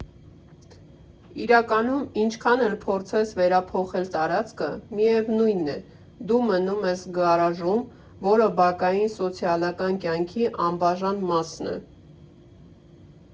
Իրականում, ինչքան էլ փորձես վերափոխել տարածքը, միևնույն է՝ դու մնում ես գարաժում, որը բակային սոցիալական կյանքի անբաժան մասն է։